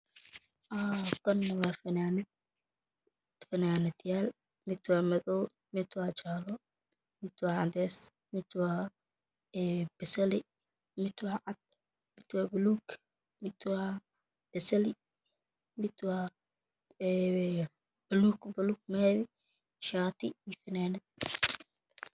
Halkan wax yalo fananado kalar kode waa madow iyo cadan iyo cades iyo baluug iyo basal iyo jale